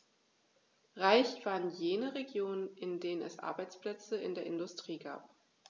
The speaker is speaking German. Reich waren jene Regionen, in denen es Arbeitsplätze in der Industrie gab.